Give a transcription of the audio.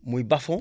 muy basfond